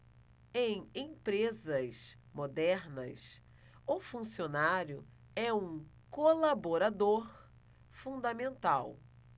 em empresas modernas o funcionário é um colaborador fundamental